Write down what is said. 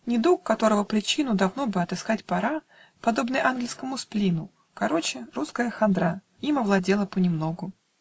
Недуг, которого причину Давно бы отыскать пора, Подобный английскому сплину, Короче: русская хандра Им овладела понемногу